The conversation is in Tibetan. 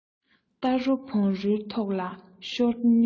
རྟ རོ བོང རོའི ཐོག ལ ཤོར ཉེན ཆེ